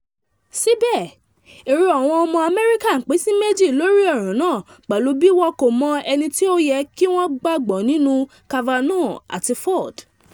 Síbẹ̀, èrò àwọn ọmọ Amẹ́ríkà pín sí méjì lórí ọ̀rọ̀ náà pẹ̀lú bí wọn kò mọ ẹni tí ó yẹ kí wọ́n gbàgbọ́ nínú Kavanaugh àti Ford.